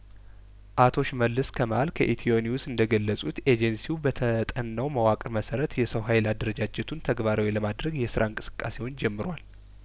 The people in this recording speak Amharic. አቶ ሽመልስ ከማል ከኢትዮኒውስ እንደገለጹት ኤጀንሲው በተጠናው መዋቅር መሰረት የሰው ሀይል አደረጃጀቱን ተግባራዊ ለማድረግ የስራ እንቅስቃሴውን ጀምሯል